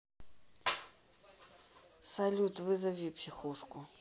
салют вызови психушку